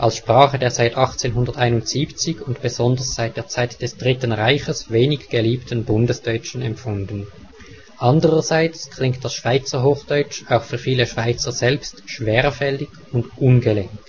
Sprache der seit 1871 und besonders seit der Zeit des Dritten Reiches wenig geliebten Bundesdeutschen empfunden. Andererseits klingt Schweizer Hochdeutsch auch für viele Schweizer selbst schwerfällig und ungelenk